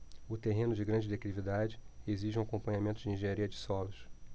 o terreno de grande declividade exige um acompanhamento de engenharia de solos